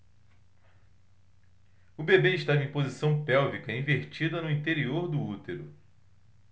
o bebê estava em posição pélvica invertida no interior do útero